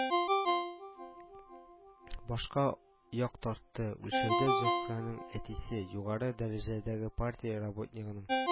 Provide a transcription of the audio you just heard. Башка як тартты, үлчәүдә зөһрәнең әтисе—югары дәрәҗәдәге партия работнигының